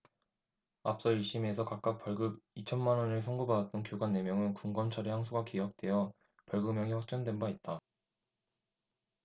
앞서 일 심에서 각각 벌금 이천 만 원을 선고받았던 교관 네 명은 군 검찰의 항소가 기각돼 벌금형이 확정된 바 있다